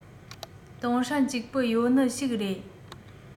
ཏུང ཧྲན གཅིག པུ ཡོད ནི ཞིག རེད